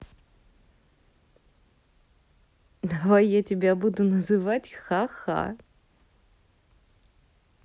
давай я тебя буду называть хаха